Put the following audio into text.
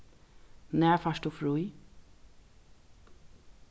nær fært tú frí